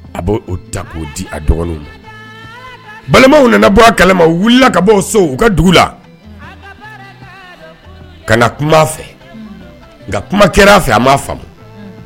A b' da di a dɔgɔninw ma balimaw nana bɔ kɛlɛ u wulila ka'o so u ka dugu la ka na kuma fɛ nka kuma kɛra a fɛ a ma faamu